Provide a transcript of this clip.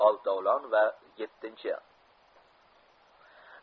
oltovlon va yettinchi